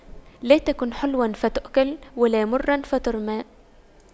لا تكن حلواً فتؤكل ولا مراً فترمى